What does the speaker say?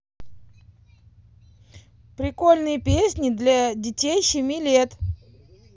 прикольные песни для детей семи лет